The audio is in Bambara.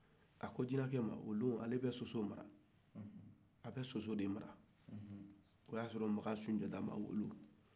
a ko jinacɛ ma o don ale de tun bɛ soso masayala o y'a sɔrɔ sunjata na wolo